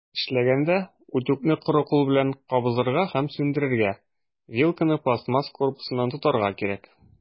Эшләгәндә, үтүкне коры кул белән кабызырга һәм сүндерергә, вилканы пластмасс корпусыннан тотарга кирәк.